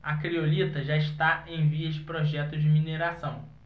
a criolita já está em vias de projeto de mineração